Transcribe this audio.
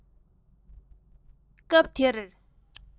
སྐབས དེར